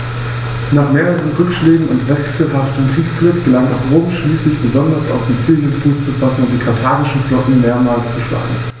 Nach mehreren Rückschlägen und wechselhaftem Kriegsglück gelang es Rom schließlich, besonders auf Sizilien Fuß zu fassen und die karthagische Flotte mehrmals zu schlagen.